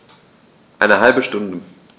Eine halbe Stunde